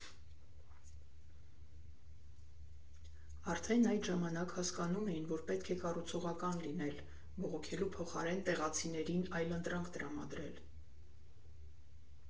Արդեն այդ ժամանակ հասկանում էին, որ պետք է կառուցողական լինել, բողոքելու փոխարեն տեղացիներին այլընտրանք տրամադրել։